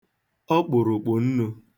ọkpụ̀rụ̀kpụ̀ nnū